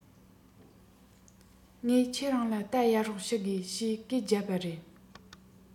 ངས ཁྱེད རང ལ རྟ གཡར རོགས ཞུ དགོས ཞེས སྐད རྒྱབ པ རེད